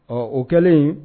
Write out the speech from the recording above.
Ɔ o kɛlen